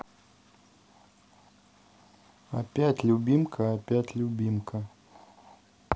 опять любимка опять любимка